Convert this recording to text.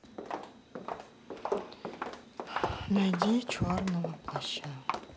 найди черного плаща